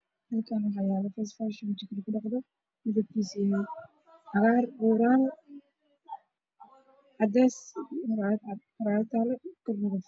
Waa face washta wajiga lagu dhaqdo